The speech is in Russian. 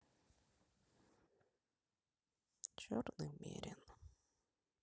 черный мерин